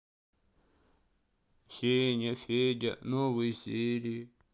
сеня федя новые серии